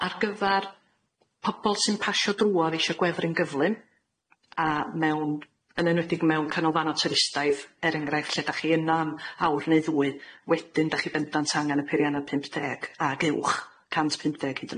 Ar gyfar pobol sy'n pasio drwodd isio gweddru'n gyflym a mewn yn enwedig mewn canolfan o tyrysdaidd er engreff lle dach chi yno am awr neu ddwy wedyn dach chi bendant angan y peirianedd pump deg ag uwch cant pump deg hyd yn